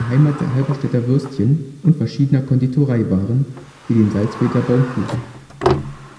Heimat der Halberstädter Würstchen und verschiedener Konditoreiwaren wie dem Salzwedler Baumkuchen.